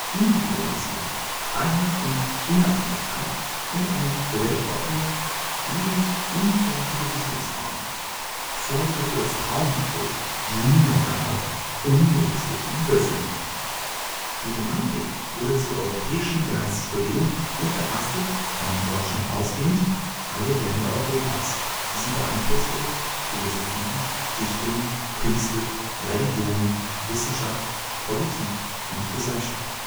Individualisierung, Freiheit und Unabhängigkeit und eine weltoffene, ewig unfertige Dichtungsform; Vorliebe für das Traumhafte, Wunderbare, Unbewusste, Übersinnliche Die Romantik wurde zur europäischen Geistesbewegung und erfasste, von Deutschland ausgehend, alle Länder Europas. Sie beeinflusste Philosophie, Dichtung, Künste, Religion, Wissenschaft, Politik und Gesellschaft